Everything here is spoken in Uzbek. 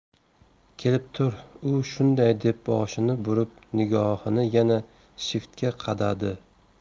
kelib tur u shunday deb boshini burib nigohini yana shiftga qadadi